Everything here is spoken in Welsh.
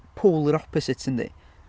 polar opposite yndi?